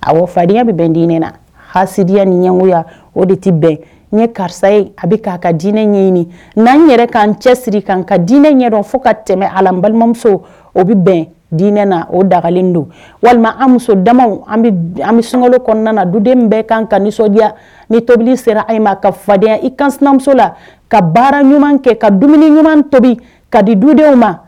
a fadenya bɛ bɛn diinɛ na hasi ni ɲɛgoya o de tɛ bɛn n ye karisa ye a bɛ'a ka dinɛ ɲɛɲini n'an n yɛrɛ'an cɛ siri ka ka dinɛ ɲɛ dɔn fo ka tɛmɛ ala balimamuso o bɛ bɛn dinɛ na o dagalen don walima an muso dama an bɛ sunkalo kɔnɔna duden bɛɛ kan ka nisɔndiya ni tobili sera a ma ka fadenya i kan sinamuso la ka baara ɲuman kɛ ka dumuni ɲuman tobi ka di dudenw ma